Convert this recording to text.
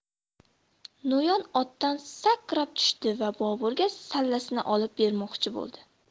no'yon otdan sakrab tushdi va boburga sallasini olib bermoqchi bo'ldi